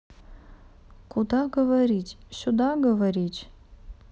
куда говорить сюда говорить